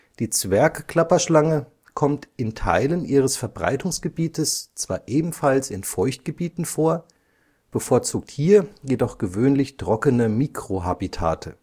Die Zwergklapperschlange kommt in Teilen ihres Verbreitungsgebietes zwar ebenfalls in Feuchtgebieten vor, bevorzugt hier jedoch gewöhnlich trockene Mikrohabitate